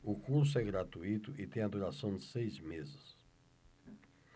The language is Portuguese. o curso é gratuito e tem a duração de seis meses